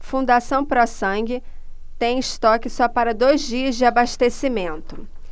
fundação pró sangue tem estoque só para dois dias de abastecimento